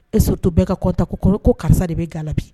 E so to bɛɛ ka kɔta ko ko karisa de bɛ ga bi